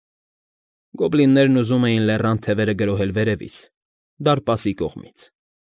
Գոբլիններն ուզում էին լեռան թևերը գրոհել վերևից, դարպասի կողմից։